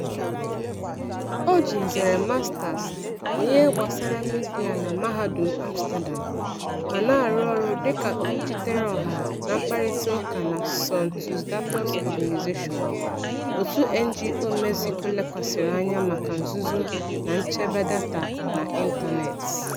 O ji nzere Mastas na Ihe Gbasara Midia na Mahadum Amsterdam ma na-arụ ọrụ dịka Okwuchitere Ọha na Mkparịtaụka na SonTusDatos.org, òtù NGO Mexico lekwasịrị anya maka nzuzo na nchebe data n'ịntaneetị.